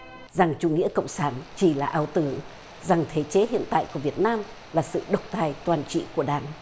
rằng chủ nghĩa cộng sản chỉ là ảo tưởng rằng thể chế hiện tại của việt nam là sự độc tài quản trị của đảng